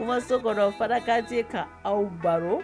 Kumaso kɔnɔ Fanta Kante ka aw baro